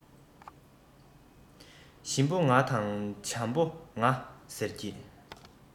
ཞིམ པོ ང དང འཇམ པོ ང ཟེར གྱི